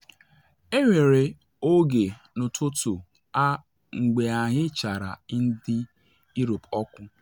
Enwere oge n’ụtụtụ a mgbe anyị chara ndị Europe ọkụ.